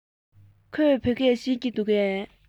ཁོས བོད སྐད ཤེས ཀྱི འདུག གས